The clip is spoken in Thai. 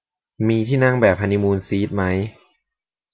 มีที่นั่งแบบฮันนี่มูนซีทมั้ย